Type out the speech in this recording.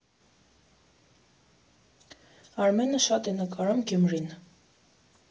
Արմենը շատ է նկարում Գյումրին։